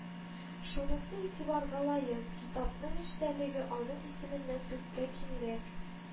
Шунысы игътибарга лаек, китапның эчтәлеге аның исеменнән күпкә киңрәк